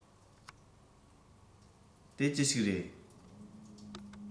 དེ ཅི ཞིག རེད